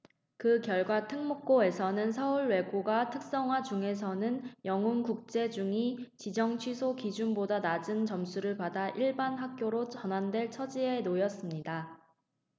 그 결과 특목고에서는 서울외고가 특성화중에서는 영훈국제중이 지정취소 기준보다 낮은 점수를 받아 일반학교로 전환될 처지에 놓였습니다